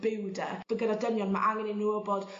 byw 'dy bu' gyda dynion ma' angen i n'w wbod